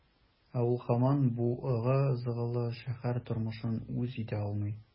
Ә ул һаман бу ыгы-зыгылы шәһәр тормышын үз итә алмый.